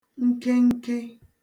nkenke